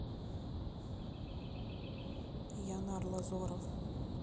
ян арлазоров